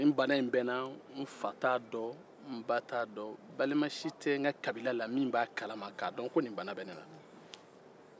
nin bana in bɛ n na n ba t'a dɔn n fa t'a dɔn balima si tɛ n ka kabila la min b'a kalama ko nin bana in bɛ ne na